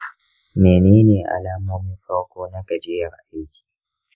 mene ne alamomin farko na gajiyar aiki?